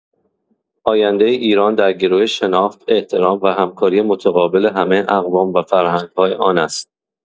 آینده ایران در گرو شناخت، احترام و همکاری متقابل همه اقوام و فرهنگ‌های آن است.